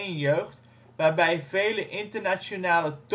jeugd waarbij vele internationale